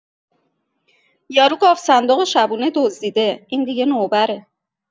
یارو گاوصندوق رو شبونه دزدیده، این دیگه نوبره!